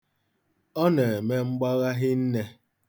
Ọ na-eme mgbagha hinne.